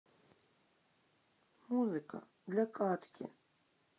музыка для катки